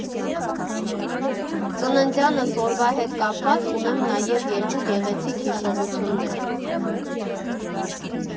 Ծննդյանս օրվա հետ կապված ունեմ նաև երկու գեղեցիկ հիշողություններ։